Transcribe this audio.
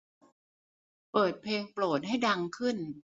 เปิดเพลงโปรดให้ดังขึ้น